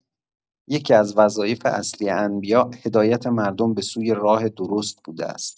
یکی‌از وظایف اصلی انبیاء هدایت مردم به سوی راه درست بوده است.